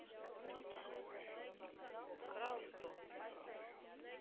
крал сто